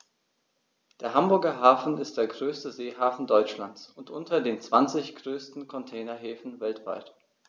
Der Hamburger Hafen ist der größte Seehafen Deutschlands und unter den zwanzig größten Containerhäfen weltweit.